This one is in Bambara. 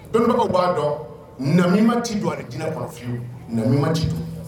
Donbagaw b'a dɔn namima t'i don a ani dinɛ kɔnɔ fyewu namima t'i don